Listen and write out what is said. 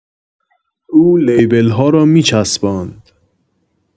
او لیبل‌ها را می‌چسباند